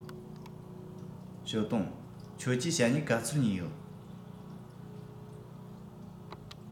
ཞའོ ཏུང ཁྱོད ཀྱིས ཞྭ སྨྱུག ག ཚོད ཉོས ཡོད